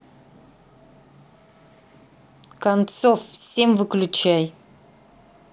концов всем выключай